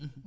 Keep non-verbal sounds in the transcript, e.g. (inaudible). (hesitation) (hesitation)